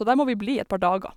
Og der må vi bli et par dager.